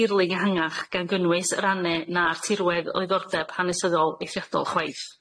dirling ehangach gan gynnwys yr anne na'r tirwedd o ddordeb hanesyddol eithriadol chwaith.